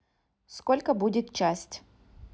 сколько будет часть